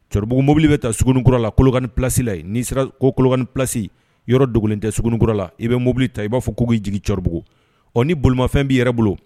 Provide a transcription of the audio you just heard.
Cɛkɔrɔbabuguugu mobili bɛ taa skunikura la kolokani plasila nii sera ko kolokani plasi yɔrɔ dogo tɛ sugununikura la i bɛ mobili ta i b'a fɔ k'i jigi cɛkɔrɔbabugu ɔ ni bolomafɛn b'i yɛrɛ bolo